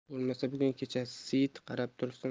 bo'lmasa bugun kechasi seit qarab tursin